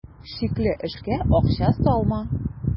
Шикле эшкә акча салма.